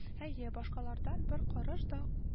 Әйе, башкалардан бер карыш та